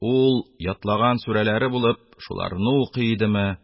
Ул, ятлаган сүрәләре булып, шуларны укый идеме,